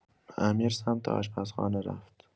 امیر سمت آشپزخانه رفت.